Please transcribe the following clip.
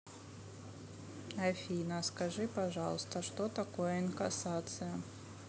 афина скажите пожалуйста что такое инкассация